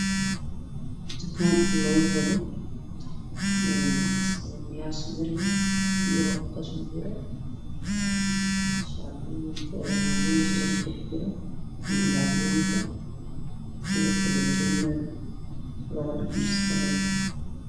Waa supermarket waxaa yaalo caagada ku jiraan shukulaato